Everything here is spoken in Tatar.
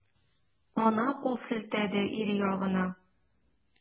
Ана кул селтәде ире ягына.